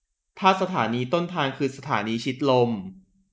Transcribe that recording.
ถ้าสถานีต้นทางคือสถานีชิดลม